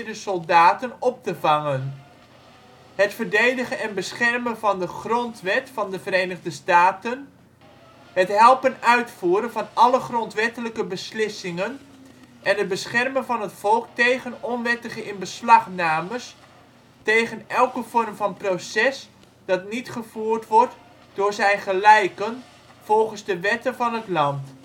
soldaten op te vangen. 2. Het verdedigen en beschermen van de Grondwet van de Verenigde Staten. 3. Het helpen uitvoeren van alle grondwettelijke beslissingen en het beschermen van het volk tegen onwettige inbeslagnames, tegen elke vorm van proces dat niet gevoerd wordt door zijn gelijken volgens de wetten van het land